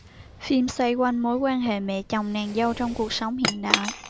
phim xoay quanh mối quan hệ mẹ chồng nàng dâu trong cuộc sống hiện đại